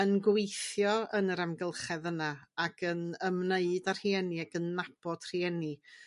yn gweithio yn yr amgylchedd yna ac yn ymwneud â rhieni ag yn nabod rhieni